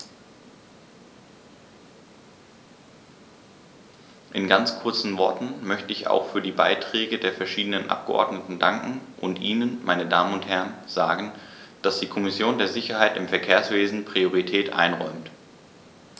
In ganz kurzen Worten möchte ich auch für die Beiträge der verschiedenen Abgeordneten danken und Ihnen, meine Damen und Herren, sagen, dass die Kommission der Sicherheit im Verkehrswesen Priorität einräumt.